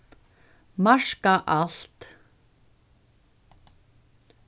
marka alt